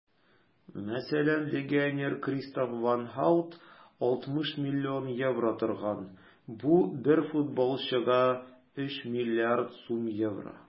Мәсәлән, легионер Кристоф ван Һаут (Халк) 60 млн евро торган - бу бер футболчыга 3 млрд сум евро!